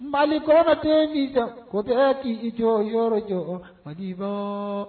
Mali kɔrɔ ka to sisan ko tɛ k kisi jɔ yɔrɔ jɔ ba fɔ